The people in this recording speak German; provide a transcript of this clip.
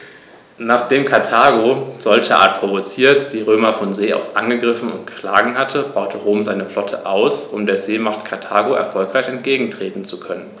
Nachdem Karthago, solcherart provoziert, die Römer von See aus angegriffen und geschlagen hatte, baute Rom seine Flotte aus, um der Seemacht Karthago erfolgreich entgegentreten zu können.